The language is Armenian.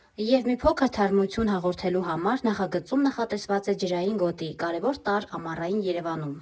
Եվ մի փոքր թարմություն հաղորդելու համար նախագծում նախատեսված է ջրային գոտի՝ կարևոր տարր ամառային Երևանում։